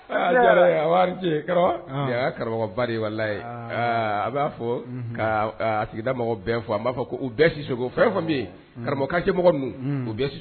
Karamɔgɔ a b'a fɔ ka a sigida mɔgɔ bɛ fɔ b'a fɔ ko u bɛɛ siso o fɛn min ye karamɔgɔkan mɔgɔ ninnu u bɛ